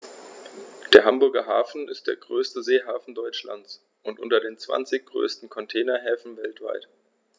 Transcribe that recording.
Der Hamburger Hafen ist der größte Seehafen Deutschlands und unter den zwanzig größten Containerhäfen weltweit.